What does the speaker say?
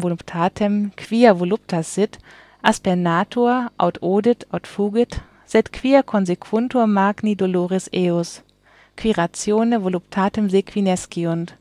voluptatem, quia voluptas sit, aspernatur aut odit aut fugit, sed quia consequuntur magni dolores eos, qui ratione voluptatem sequi nesciunt,